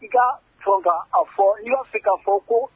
Nka fo n ka a fɔ, i b'a fɛ k'a fɔ ko